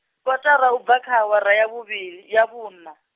kotara ubva kha awara ya vhuvhili ya vhuna.